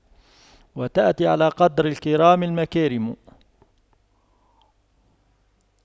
وتأتي على قدر الكرام المكارم